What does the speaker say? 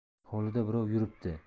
hovlida birov yuribdi